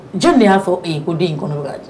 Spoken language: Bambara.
Jɔn de y'a fɔ e ko den in kɔnɔ bi ka d